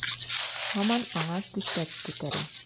Һаман аңа күсәк күтәрә.